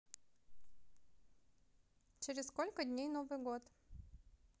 через сколько дней новый год